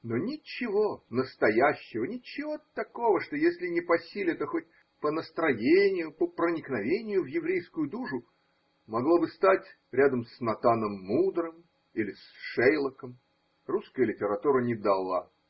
Но ничего настоящего, ничего такого, что если не по силе, то хоть по настроению, по проникновению в еврейскую душу могло бы стать рядом с Натаном Мудрым или с Шейлоком, русская лите ратура не дала.